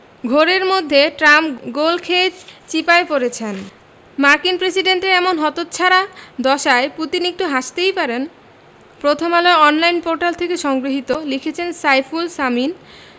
ঘোরের মধ্যে ট্রাম্প গোল খেয়ে চিপায় পড়েছেন মার্কিন প্রেসিডেন্টের এমন হতচ্ছাড়া দশায় পুতিন একটু হাসতেই পারেন প্রথম আলোর অনলাইন পোর্টাল হতে সংগৃহীত লিখেছেন সাইফুল সামিন